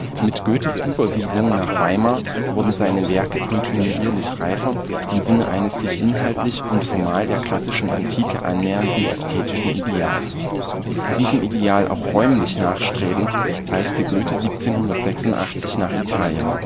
Mit Goethes Übersiedelung nach Weimar wurden seine Werke kontinuierlich reifer im Sinne eines sich inhaltlich und formal der klassischen Antike annähernden ästhetischen Ideals. Diesem Ideal auch räumlich nachstrebend reiste Goethe 1786 nach Italien